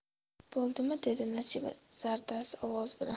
bo'ldimi dedi nasiba zardali ovoz bilan